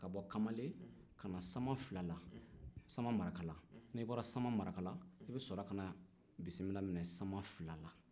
ka bɔ kamalen ka na samafila la samamarakala n'i bɔra samamaraka la i bɛ sɔrɔ kana bisimila minɛ samafila la